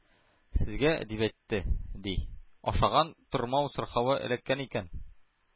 Сезгә, — дип әйтте, ди, — ашаган тормау сырхавы эләккән икән,